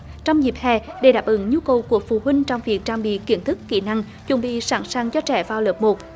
trong dịp hè để đáp ứng nhu cầu của phụ huynh trong việc trang bị kiến thức kỹ năng chuẩn bị sẵn sàng cho trẻ vào lớp một